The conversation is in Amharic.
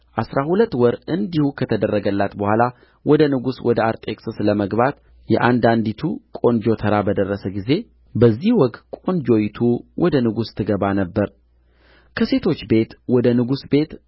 አሥራ ሁለት ወር እንዲሁ ከተደረገላት በኋላ ወደ ንጉሡ ወደ አርጤክስስ ለመግባት የአንዳንዲቱ ቆንጆ ተራ በደረሰ ጊዜ በዚህ ወግ ቆንጆይቱ ወደ ንጉሡ ትገባ ነበር ከሴቶች ቤት ወደ ንጉሡ ቤት